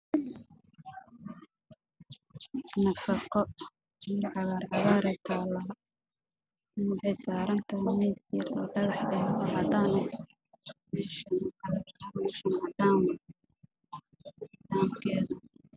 Meeshaan waxaa yaalo karayn dheehaysiinayay midabkiisii yahay xuriyadii caddeys teen waxaana ka dambeeya meel caddaan